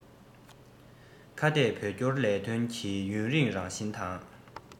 ཁ གཏད བོད སྐྱོར ལས དོན གྱི ཡུན རིང རང བཞིན དང